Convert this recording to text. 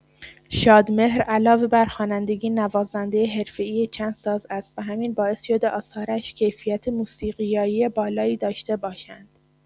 شادمهر علاوه بر خوانندگی، نوازنده حرفه‌ای چند ساز است و همین باعث شده آثارش کیفیت موسیقیایی بالایی داشته باشند.